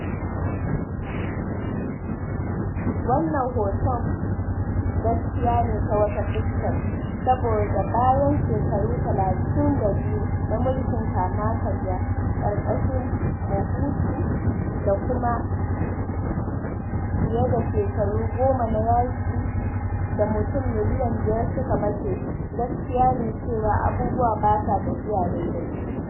Wannan hoton gaskiya ne ta wata fuskar, saboda bayan shekaru 32 na mulkin kama-karya ƙarƙashin Mobutu, da kuma fiye da shekaru goma na yaƙi da mutum miliyan 5 suka mace, gaskiya ne cewa abubuwa ba sa tafiya daidai.